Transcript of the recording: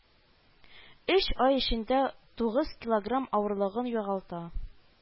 Өч ай эчендә тугыз килограмм авырлыгын югалта